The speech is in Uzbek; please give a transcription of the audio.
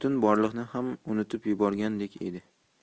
ham unutib yuborgandek edi